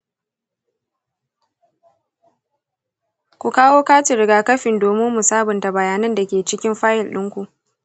ku kawo katin rigakafin domin mu sabunta bayanan da ke cikin fayil ɗinku.